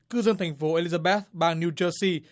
cư dân thành phố ê li giơ bét bang niu giơ xi